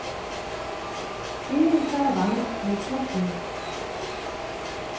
birita vang tosar finskt